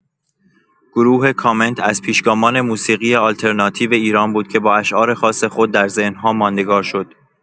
گروه کامنت از پیشگامان موسیقی آلترناتیو ایران بود که با اشعار خاص خود در ذهن‌ها ماندگار شد.